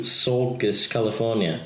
Sorgus California.